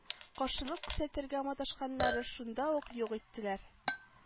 Каршылык күрсәтергә маташканнары шунда ук юк иттеләләр